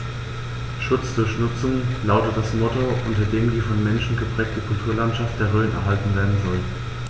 „Schutz durch Nutzung“ lautet das Motto, unter dem die vom Menschen geprägte Kulturlandschaft der Rhön erhalten werden soll.